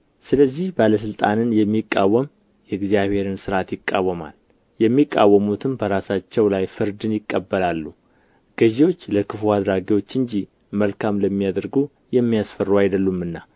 ስለዚህ ባለ ሥልጣንን የሚቃወም የእግዚአብሔርን ሥርዓት ይቃወማል የሚቃወሙትም በራሳቸው ላይ ፍርድን ይቀበላሉ ገዥዎች ለክፉ አድራጊዎች እንጂ መልካም ለሚያደርጉ የሚያስፈሩ አይደሉምና